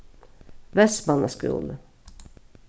vestmanna skúli